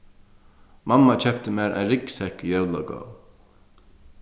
mamma keypti mær ein ryggsekk í jólagávu